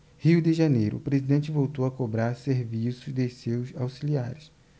rio de janeiro o presidente voltou a cobrar serviço de seus auxiliares